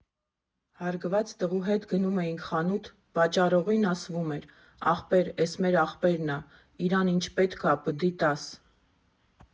Հարգված տղու հետ գնում էիր խանութ, վաճառողին ասվում էր՝ «ախպեր, էս մեր ախպերն ա, իրան ինչ պետք ա, պդի տաս»։